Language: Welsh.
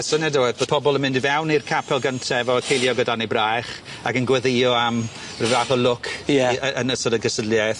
A syniad oedd bo' pobol yn mynd i fewn i'r capel gyntaf efo ceiliog o dan ei braich ac yn gweddïo am ryw fath o lwc... Ie. ...i- y- yn y sort o' gystadleuaeth.